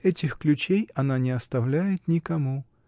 Этих ключей она не оставляет никому.